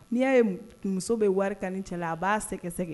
N'i y'a ye m muso be wari kani cɛ la a b'a sɛgɛsɛgɛ